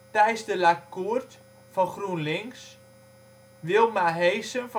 Thijs de la Court (GroenLinks) Wilma Heesen